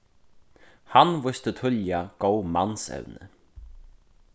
hann vísti tíðliga góð mansevni